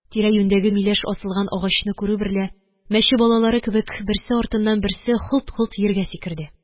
Тирә-юньдәге миләш асылган агачны күрү берлә, мәче балалары кебек, берсе артыннан берсе һолт-һолт йиргә сикерде.